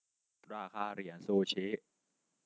ราคาเหรียญซูชิ